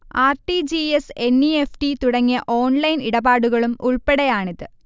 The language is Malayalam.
R. T. G. S., N. E. F T. തുടങ്ങിയ ഓൺലൈൻ ഇടപാടുകളും ഉൾപ്പടെയാണിത്